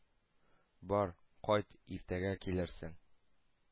Бар, кайт, иртәгә килерсең.